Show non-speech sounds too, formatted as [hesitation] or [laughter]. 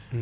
[hesitation] [hesitation]